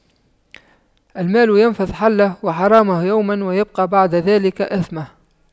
المال ينفد حله وحرامه يوماً ويبقى بعد ذلك إثمه